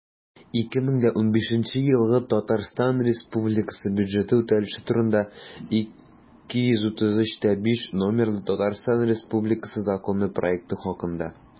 «2015 елгы татарстан республикасы бюджеты үтәлеше турында» 233-5 номерлы татарстан республикасы законы проекты хакында